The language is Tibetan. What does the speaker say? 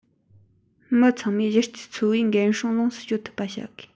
མི ཚང མས གཞི རྩའི འཚོ བའི འགན སྲུང ལོངས སུ སྤྱོད ཐུབ པ བྱ དགོས